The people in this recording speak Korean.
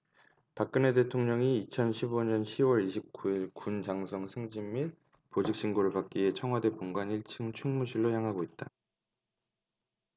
박근혜 대통령이 이천 십 오 년 시 월 이십 구 일 군 장성 승진 및 보직신고를 받기 위해 청와대 본관 일 층 충무실로 향하고 있다